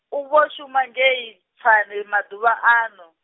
u vho shuma ngei, Tshwane maḓuvha ano.